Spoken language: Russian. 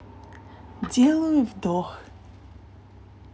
делаю вдох